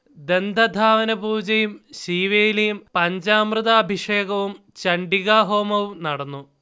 ദന്തധാവനപൂജയും ശീവേലിയും പഞ്ചാമൃത അഭിഷേകവും ചണ്ഡികാഹോമവും നടന്നു